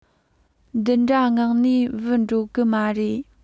དེ འདྲ ངང ནས བུད འགྲོ གི མ རེད